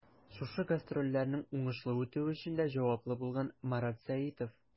Шушы гастрольләрнең уңышлы үтүе өчен дә җаваплы булган Марат Сәитов.